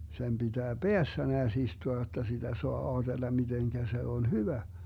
sen pitää päässä näet istua jotta sitä saa ajatella miten se on hyvä